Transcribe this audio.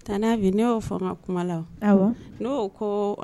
Tani Ami ne y'o fɔ n ka kuma la awɔ ne ko koo